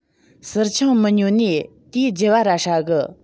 སིལ ཆང མི ཉོ ནིས དེའི རྒྱུ བ ར ཧྲ གི